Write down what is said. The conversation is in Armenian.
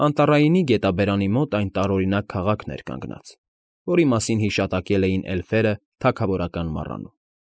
Անտառային գետաբերանի մոտ այն տարօրինակ քաղաքն էր կանգնած, որի մասին հիշատակել էին էլֆերի թագավորական անտառում։